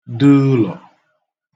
də ụlọ̀